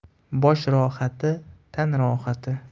bosh rohati tan rohati